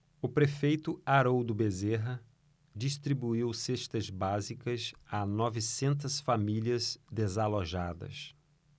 o prefeito haroldo bezerra distribuiu cestas básicas a novecentas famílias desalojadas